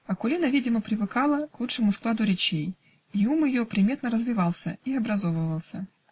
Акулина, видимо, привыкала к лучшему складу речей, и ум ее приметно развивался и образовывался.